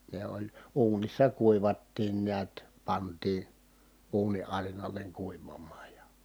ne oli uunissa kuivattiin näet pantiin uuni arinalle kuivamaan ja